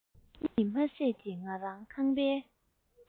གཉིད མ སད ཀྱི ང རང ཁང པའི